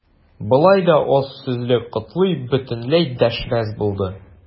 Болай да аз сүзле Котлый бөтенләй дәшмәс булды.